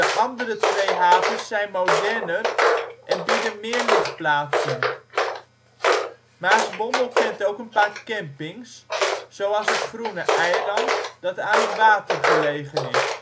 andere twee havens zijn moderner en bieden meer ligplaatsen. Maasbommel kent ook een paar campings, zoals Het Groene Eiland dat aan het water gelegen is